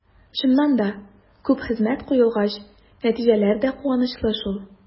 Чыннан да, күп хезмәт куелгач, нәтиҗәләр дә куанычлы шул.